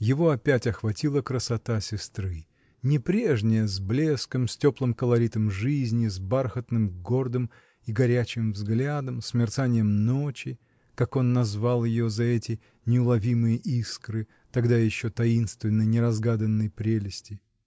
Его опять охватила красота сестры, — не прежняя, с блеском, с теплым колоритом жизни, с бархатным, гордым и горячим взглядом, с мерцанием ночи, как он назвал ее за эти неуловимые искры тогда еще таинственной, неразгаданной прелести.